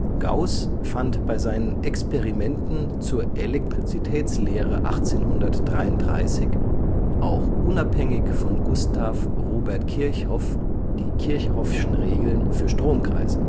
Gauß fand bei seinen Experimenten zur Elektrizitätslehre 1833 auch unabhängig von Gustav Robert Kirchhoff (1845) die Kirchhoffschen Regeln für Stromkreise